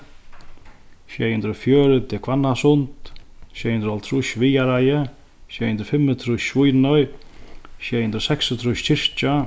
sjey hundrað og fjøruti hvannasund sjey hundrað og hálvtrýss viðareiði sjey hundrað og fimmogtrýss svínoy sjey hundrað og seksogtrýss kirkja